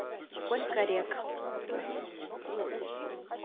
сколько рек